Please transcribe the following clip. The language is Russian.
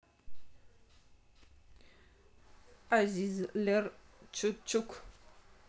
азизлер чучук